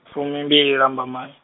fumimbili Lambamai.